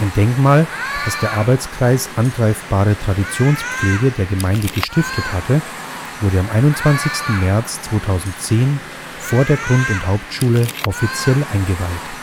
Denkmal, das der Arbeitskreis „ Angreifbare Traditionspflege “der Gemeinde gestiftet hatte, wurde am 21. März 2010 vor der Grund - und Hauptschule offiziell eingeweiht